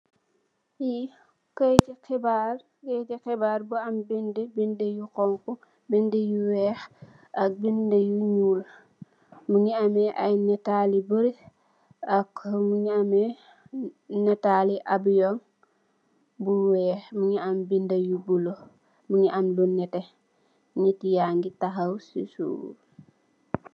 Fee keyetu hebarr keyete hebarr yu am bede bede yu xonxo bede yu weex ak bede yu nuul muge ameh aye natal yu bory ak muge ameh natal le abeyoung bu weex muge am beda yu bulo muge am bu neteh neet yage tahaw se suuf.